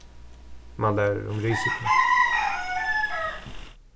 mann lærir um risiko